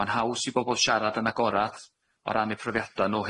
ma'n haws i bobol sharad yn agorad o ran ei profiada nw